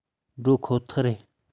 འགྲོ ཁོ ཐག རེད